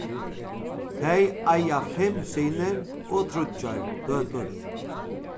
tey eiga fimm synir og tríggjar døtur